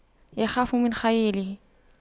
يخاف من خياله